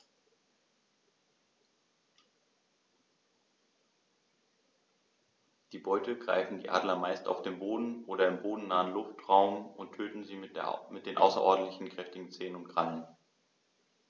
Die Beute greifen die Adler meist auf dem Boden oder im bodennahen Luftraum und töten sie mit den außerordentlich kräftigen Zehen und Krallen.